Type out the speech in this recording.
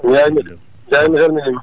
*